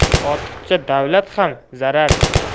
ortiqcha davlat ham zarar